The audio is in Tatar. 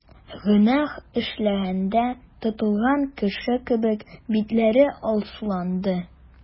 Гөнаһ эшләгәндә тотылган кеше кебек, битләре алсуланды.